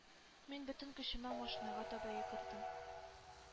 Мин бөтен көчемә машинага таба йөгердем.